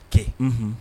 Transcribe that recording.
Kɛ, unhun